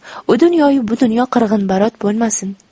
u dunyoyu bu dunyo qirg'inbarot bo'lmasin